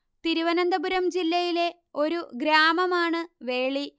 തിരുവനന്തപുരം ജില്ലയിലെ ഒരു ഗ്രാമമാണ് വേളി